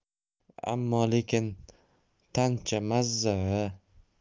ammo lekin tancha mazza